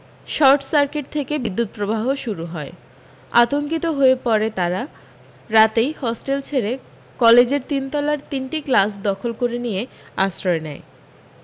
short circuit থেকে বিদ্যুত প্রবাহ শুরু হয় আতঙ্কিত হয়ে পড়ে তাঁরা রাতেই হস্টেল ছেড়ে কলেজের তিনতলার তিনটি ক্লাস দখল করে নিয়ে আশ্রয় নেয়